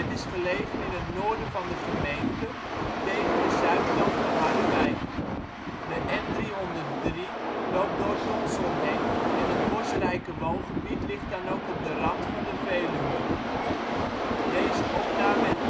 Het is gelegen in het noorden van de gemeente, tegen de zuidkant aan van Harderwijk. De N303 loopt door Tonsel heen en het bosrijke woongebied ligt dan ook op rand van de Veluwe. 52° 20